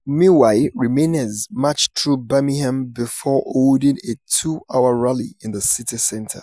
Meanwhile, Remainers marched through Birmingham before holding a two-hour rally in the city center.